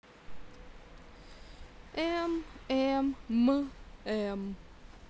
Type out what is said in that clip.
эм эм м эм